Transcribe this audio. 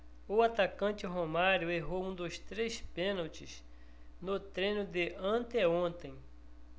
o atacante romário errou um dos três pênaltis no treino de anteontem